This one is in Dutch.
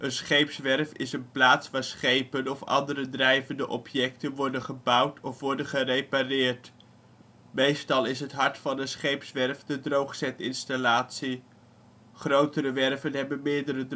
scheepswerf is een plaats waar schepen of andere drijvende objecten worden gebouwd of worden gerepareerd. Meestal is het hart van een scheepswerf de droogzetinstallatie. Grotere werven hebben meerdere